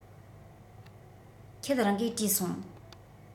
ཁྱེད རང གིས དྲིས སོང